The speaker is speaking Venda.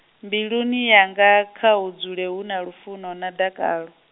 mbiluni yanga khahu dzule huna lufuno na dakalo.